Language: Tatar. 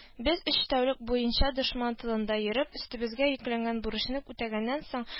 Без, өч тәүлек буенча дошман тылында йөреп, өстебезгә йөкләнгән бурычны үтәгәннән соң